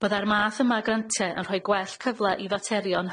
Byddai'r math yma o grantie yn rhoi gwell cyfla i faterion